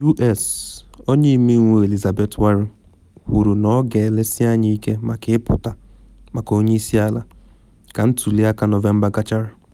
U.S. Onye Ọmeiwu Elizabeth Warren kwuru na ọ “ga-elenyesị anya ike maka ịpụta maka onye isi ala” ka ntuli aka Nọvemba gachara.